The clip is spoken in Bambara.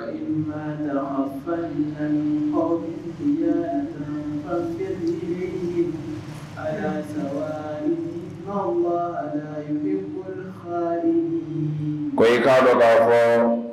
Faamagɛnin a y saba wa bɛ kun wa ko kaba h